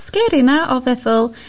sgeri 'na o feddwl